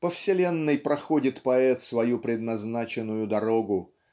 По вселенной проходит поэт свою предназначенную дорогу